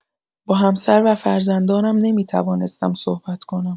با همسر و فرزندانم نمی‌توانستم صحبت کنم.